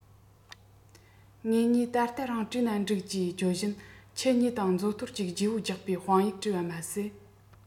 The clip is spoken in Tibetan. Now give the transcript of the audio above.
ངེད གཉིས ད ལྟ རང བྲིས ན འགྲིག ཅེས བརྗོད བཞིན ཁྱི གཉིས དང མཛོ དོར གཅིག བརྗེ པོ རྒྱག པའི དཔང ཡིག བྲིས པ མ ཟད